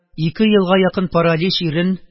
Ике елга якын паралич ирен